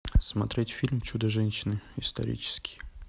смотреть фильм чудо женщины исторический